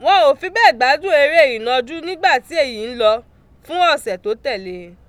Wọn ò fi bẹ́ẹ̀ gbádùn eré ìnajú nígbà tí èyí ń lọ fún ọ̀sẹ̀ tó tẹ̀ lé e.